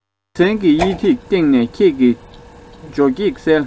ཉིན མཚན གྱི དབྱེ ཐིག སྟེང ནས ཁྱེད ཀྱི འཇོ སྒེག གསལ